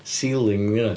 Ceiling 'di hwnna.